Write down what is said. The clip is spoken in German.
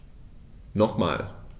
Nochmal.